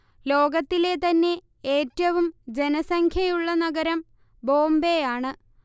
ലോകത്തിലെ തന്നെ ഏറ്റവും ജനസംഖ്യ ഉള്ള നഗരം ബോംബെ ആണ്